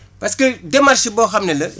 parce que démarche boo xam ne la